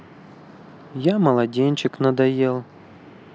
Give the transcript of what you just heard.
я молоденчик надоел